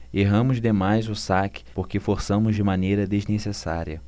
erramos demais o saque porque forçamos de maneira desnecessária